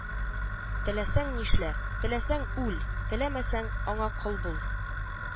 Теләсәң нишлә: теләсәң — үл, теләмәсәң — аңа кол бул